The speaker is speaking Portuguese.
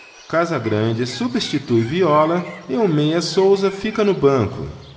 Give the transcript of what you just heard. casagrande substitui viola e o meia souza fica no banco